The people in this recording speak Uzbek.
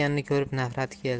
ekanini ko'rib nafrati keldi